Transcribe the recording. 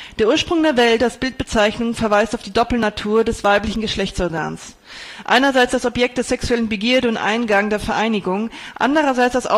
Der Ursprung der Welt “als Bildbezeichnung verweist auf die Doppelnatur des weiblichen Geschlechtsorgans: einerseits als Objekt der sexuellen Begierde und Eingang der Vereinigung, andererseits